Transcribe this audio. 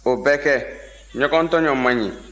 o bɛ kɛ ɲɔgɔntɔɲɔ man ɲi